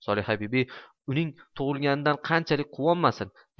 solihabibi uning tug'ilganidan qanchalik quvonmasin